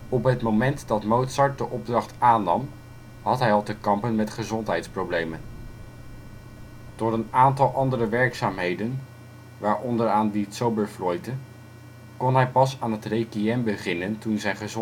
Op het moment dat Mozart de opdracht aannam, had hij al te kampen met gezondheidsproblemen. Door een aantal andere werkzaamheden (waaronder aan Die Zauberflöte) kon hij pas aan het requiem beginnen toen zijn